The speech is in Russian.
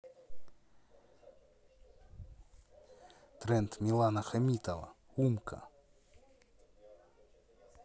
тренд милана хамитова умка